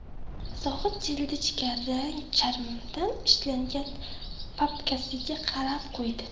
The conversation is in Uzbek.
zohid jildi jigarrang charmdan ishlangan papkasiga qarab qo'ydi